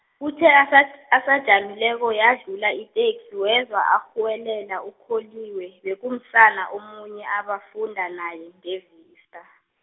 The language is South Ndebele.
kuthe asa- asajamileko yadlula iteksi, wezwa arhuwelela uKholiwe, bekumsana omunye abafunda naye, ngeVista.